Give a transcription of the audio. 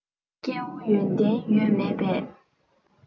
སྐྱེ བོ ཡོན ཏན ཡོད མེད པའི